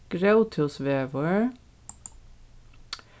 gróthúsvegur